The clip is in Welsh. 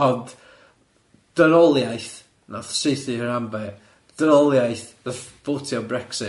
Ond, dynoliaeth wnaeth saethu Hirame, dynoliaeth wnaeth fowtio Brexit mm.